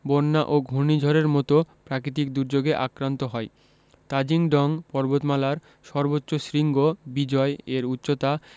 বন্যা ও ঘূর্ণিঝড়ের মতো প্রাকৃতিক দুর্যোগে আক্রান্ত হয় তাজিং ডং পর্বতমালার সর্বোচ্চ শৃঙ্গ বিজয় এর উচ্চতা